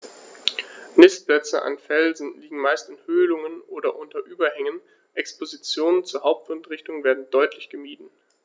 Nistplätze an Felsen liegen meist in Höhlungen oder unter Überhängen, Expositionen zur Hauptwindrichtung werden deutlich gemieden.